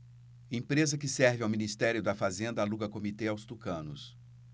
empresa que serve ao ministério da fazenda aluga comitê aos tucanos